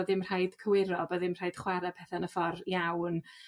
bo' ddim rhaid cywiro bo' ddim rhaid chwara petha yn y ffor iawn